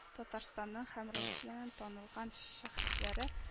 Татарстанның һәм Россиянең танылган шәхесләре